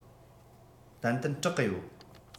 ཏན ཏན སྐྲག གི ཡོད